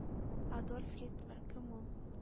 “адольф гитлер – кем ул?”,